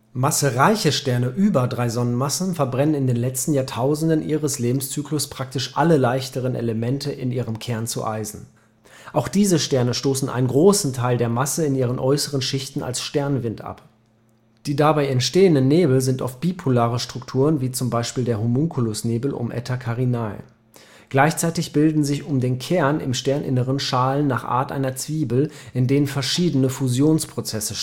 Massereiche Sterne über 3 Sonnenmassen verbrennen in den letzten Jahrtausenden ihres Lebenszyklus praktisch alle leichteren Elemente in ihrem Kern zu Eisen. Auch diese Sterne stoßen einen großen Teil der Masse in ihren äußeren Schichten als Sternwind ab. Die dabei entstehenden Nebel sind oft bipolare Strukturen, wie zum Beispiel der Homunkulusnebel um η Carinae. Gleichzeitig bilden sich um den Kern im Sterninneren Schalen nach Art einer Zwiebel, in denen verschiedene Fusionsprozesse